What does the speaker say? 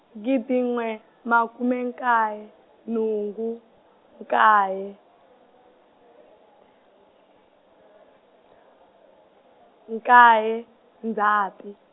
gidi n'we, makume nkaye, nhungu, nkaye, nkaye Ndzati.